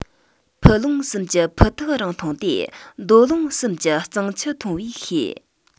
ཕུ ལུང གསུམ གྱི ཕུ ཐག རིང ཐུང དེ མདོ ལུང གསུམ གྱི གཙང ཆུ མཐོང བས ཤེས